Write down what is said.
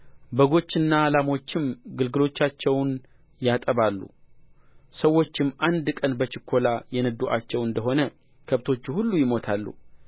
በጎችና ላሞችም ግልገሎቻቸውን ያጠባሉ ሰዎችም አንድ ቀን በችኮላ የነዱአቸው እንደ ሆነ ከብቶቹ ሁሉ ይሞታሉ